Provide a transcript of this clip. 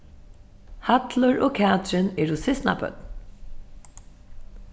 hallur og katrin eru systkinabørn